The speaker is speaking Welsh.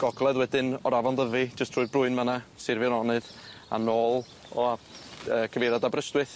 Gogledd wedyn o'r Afon Dyfi jyst trwy'r brwyn fan 'na Sir Feironydd a nôl o A- yy cyfeiriad Aberystwyth.